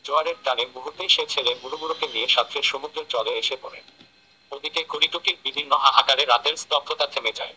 জোয়ারের টানে মুহূর্তেই সে ছেলে মুড়মুড়কে নিয়ে সাঁতরে সমুদ্রের জলে এসে পড়ে ওদিকে করিটুকির বিদীর্ণ হাহাকারে রাতের স্তব্ধতা থেমে যায়